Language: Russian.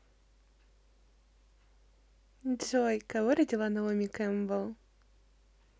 джой кого родила наоми кэмпбелл